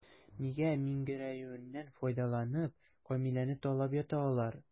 Нигә миңгерәюеннән файдаланып, Камиләне талап ята алар?